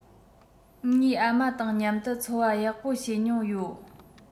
ངའི ཨ མ དང མཉམ དུ འཚོ བ ཡག པོ བྱེད མྱོང ཡོད